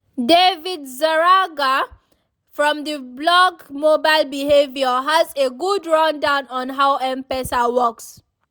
David Zarraga, from the blog Mobile Behavior has a good rundown on how M-Pesa works.